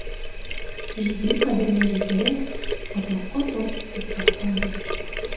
Җизни каберенә җитәрәк, апа капыл туктап калды.